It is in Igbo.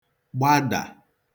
gbadà